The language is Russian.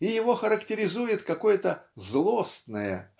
и его характеризует какое-то злостное